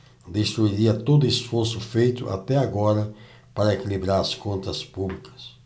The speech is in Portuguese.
destruiria todo esforço feito até agora para equilibrar as contas públicas